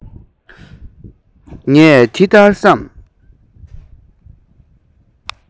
ངས འདི ལྟར བསམ